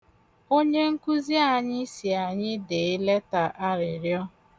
Onye nkuzi anyị si anyị dee leta arịrịọ.